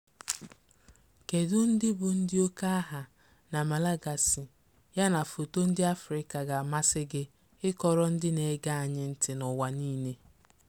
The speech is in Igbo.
FN: Kedu ndị bụ ndị okeaha na Malagasy yana foto ndị Afrịka ga-amasị gị ịkọrọ ndị na-ege anyị ntị n'ụwa niile?